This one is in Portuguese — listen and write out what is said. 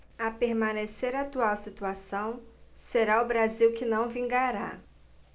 a permanecer a atual situação será o brasil que não vingará